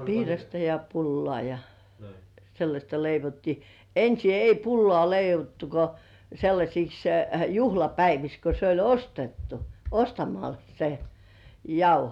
piirasta ja pullaa ja sellaista leivottiin ensin ei pullaa leivottu kuin sellaisiksi juhlapäiviksi kun se oli ostettu ostamalla se jauho